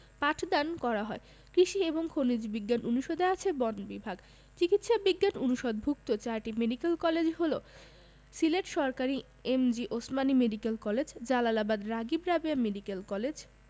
পাঠদান করা হয় কৃষি এবং খনিজ বিজ্ঞান অনুষদে আছে বন বিভাগ চিকিৎসা বিজ্ঞান অনুষদভুক্ত চারটি মেডিকেল কলেজ হলো সিলেট সরকারি MG Osmani medical college Jalalabad Ragib Rabeya medical college